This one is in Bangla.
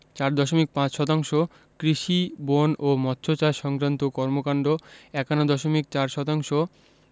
৪ দশমিক ৫ শতাংশ কৃষি বন ও মৎসচাষ সংক্রান্ত কর্মকান্ড ৫১ দশমিক ৪ শতাংশ